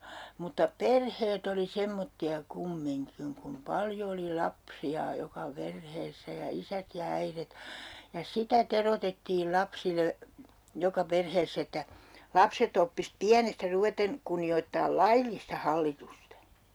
mutta perheet oli semmoisia kumminkin kun paljon oli lapsia joka perheessä ja isät ja äidit ja sitä teroitettiin lapsille joka perheessä että lapset oppisi pienestä ruveten kunnioittamaan laillista hallitusta